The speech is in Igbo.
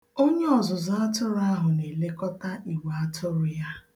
Onyeọzụzụ atụrụ ahụ na-elekọta igwe atụrụ ya